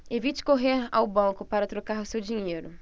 evite correr ao banco para trocar o seu dinheiro